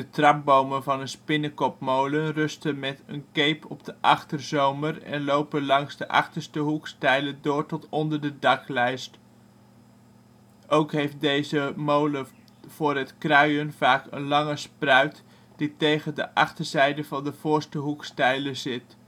trapbomen van een spinnekopmolen rusten met een keep op de achterzomer en lopen langs de achterste hoekstijlen door tot onder de daklijst. Ook heeft deze molen voor het kruien vaak een lange spruit, die tegen de achterzijde van de voorste hoekstijlen zit